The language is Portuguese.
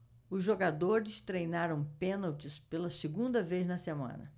os jogadores treinaram pênaltis pela segunda vez na semana